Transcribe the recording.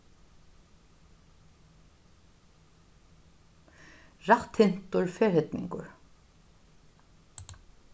rætthyrntur ferhyrningur